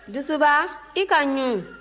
dusuba i ka n ɲun